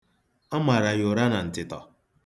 A mara ya ụra na ntịtọ.